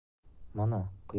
mana quyosh tog'